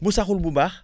bu saxul bu baax